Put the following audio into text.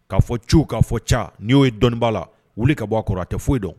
K'a fɔ ci k'a fɔ ca n'i y'o ye dɔnniɔnibaaa la wuli ka bɔ a kɔrɔ tɛ foyi dɔn